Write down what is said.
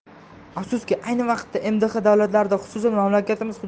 afsuski ayni vaqtda mdh davlatlarida xususan mamlakatimiz